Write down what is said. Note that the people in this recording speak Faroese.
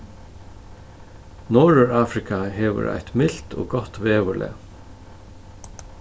norðurafrika hevur eitt milt og gott veðurlag